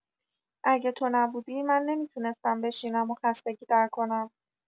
اگه تو نبودی، من نمی‌تونستم بشینم و خستگی در کنم.